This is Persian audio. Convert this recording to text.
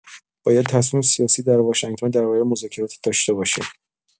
باید تصمیم سیاسی در واشنگتن درباره مذاکرات داشته باشیم.